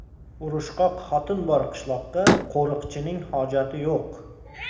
urishqoq xotin bor qishloqqa qo'riqchining hojati yo'q